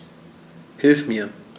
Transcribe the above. Hilf mir!